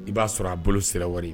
I b'a sɔrɔ a bolo sira wari